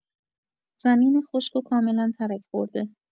زمین خشک و کاملا ترک‌خورده